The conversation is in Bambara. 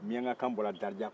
miyanka kan bɔra darija kɔnɔ